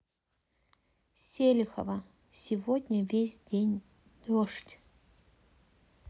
селихова сегодня весь день дождь